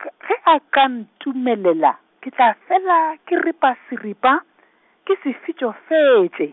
k- ge a ka ntumelela, ke tla fela ke ripa seripa, ke se fitšofetše ,